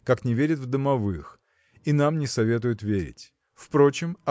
как не верит в домовых – и нам не советует верить. Впрочем